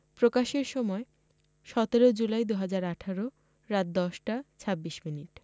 প্রকাশের সময় ১৭ জুলাই ২০১৮ রাত ১০টা ২৬ মিনিট